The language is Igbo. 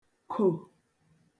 kò